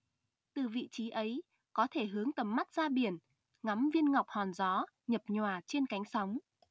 từ vị trí ấy có thể hướng tầm mắt ra biển ngắm viên ngọc hòn gió nhập nhòa trên cánh sóng